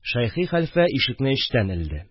Шәйхи хәлфә ишекне эчтән элде